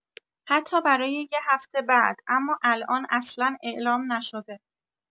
حتی برای یه هفته بعد اما الان اصلا اعلام نشده